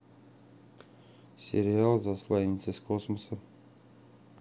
сериал засланец из космоса